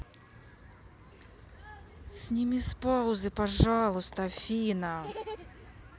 сними с паузы пожалуйста афина